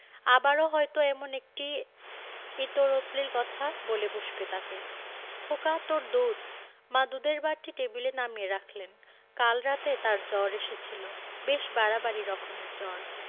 আবারো হয়তো এমন একটি ইতর অশ্লীল কথা বলে বসবে তাকে খোকা তোর দুধ মা দুধের বাটি টেবিলে নামিয়ে রাখলেন কাল রাতে তার জ্বর এসেছিল বেশ বাড়াবাড়ি রকমের জ্বর